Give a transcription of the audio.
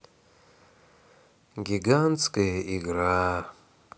гигантская игра